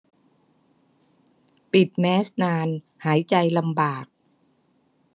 ปิดแมสนานหายใจลำบาก